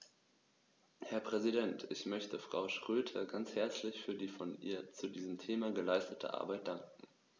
Herr Präsident, ich möchte Frau Schroedter ganz herzlich für die von ihr zu diesem Thema geleistete Arbeit danken.